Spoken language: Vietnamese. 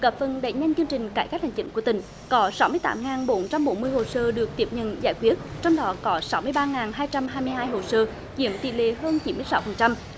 góp phần đẩy nhanh chương trình cải cách hành chính của tỉnh có sáu mươi tám ngàn bốn trăm bốn mươi hồ sơ được tiếp nhận giải quyết trong đó có sáu mươi ba ngàn hai trăm hai mươi hai hồ sơ chiếm tỷ lệ hơn chín mươi sáu phần trăm